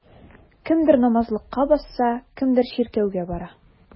Кемдер намазлыкка басса, кемдер чиркәүгә бара.